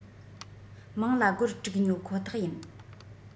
མང ལ སྒོར དྲུག ཉོ ཁོ ཐག ཡིན